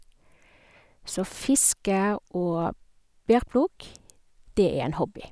Så fiske og bærplukk, det er en hobby.